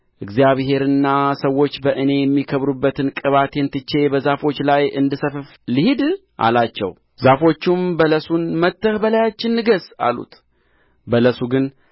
እግዚአብሔርና ሰዎች በእኔ የሚከበሩበትን ቅባቴን ትቼ በዛፎች ላይ እንድሰፍፍ ልሂድ አላቸው ዛፎችም በለሱን መጥተህ በላያችን ንገሥ አሉት በለሱ ግን